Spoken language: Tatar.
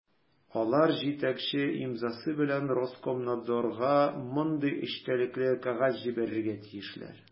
Алар җитәкче имзасы белән Роскомнадзорга мондый эчтәлекле кәгазь җибәрергә тиешләр: